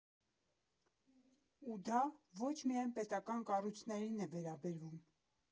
Ու դա ոչ միայն պետական կառույցներին ա վերաբերվում։